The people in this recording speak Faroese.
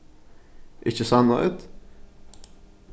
ikki sannheit